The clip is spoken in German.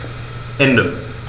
Ende.